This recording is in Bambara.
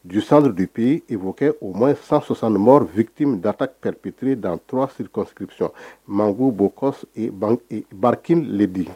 Jusanppi u'o kɛ u ma san sɔsan vtti data p-ptiri dan t siri kɔsisɔn manu'bariki ledi